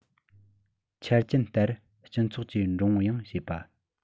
འཆར ཅན ལྟར སྤྱི ཚོགས ཀྱི འགྲོ འོང ཡང བྱེད པ